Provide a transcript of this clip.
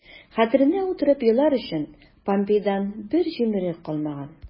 Хәтеренә утырып елар өчен помпейдан бер җимерек калмаган...